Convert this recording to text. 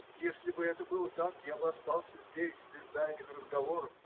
Если бы это было так, я бы остался здесь без дальних разговоров